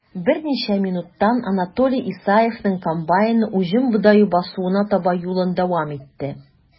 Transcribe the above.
Берничә минуттан Анатолий Исаевның комбайны уҗым бодае басуына таба юлын дәвам итте.